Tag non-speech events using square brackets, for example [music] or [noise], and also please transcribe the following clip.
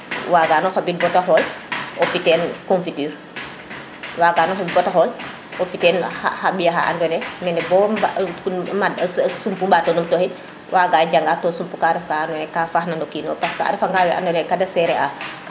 waga no xobid bata xool [noise] o fi teen confiture waga no xobid bata xool o fi teen xa ɓiya xa ando naye mene bo mad e% bo sump mbato num toxid waga jangan to sump ka ka ref ka ando naye ka faax na no kino parce a refanga wa ando naye ka de sere a